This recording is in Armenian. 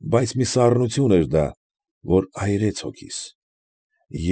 Բայց մի սառնություն էր դա, որ այրեց հոգիս։